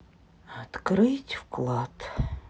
открыть вклад